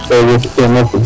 ok merci